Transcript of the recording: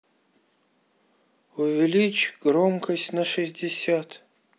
увеличь громкость на шестьдесят